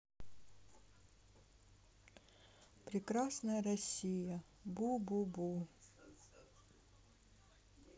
прекрасная россия бу бу бу